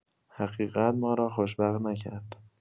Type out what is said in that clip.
حقیقت ما را خوشبخت نکرد.